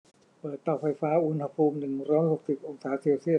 เปิดเตาไฟฟ้าอุณหภูมิหนึ่งร้อยหกสิบองศาเซลเซียส